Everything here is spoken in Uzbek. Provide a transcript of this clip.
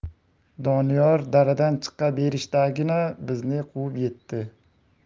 doniyor daradan chiqa berishdagina bizni quvib yetdi